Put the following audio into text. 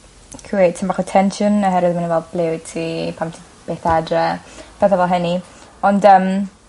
creu tym bach o tensiwn oherwydd ma' n'w fel ble wyt ti pam ti byth adre pethe fel hynny. Ond yym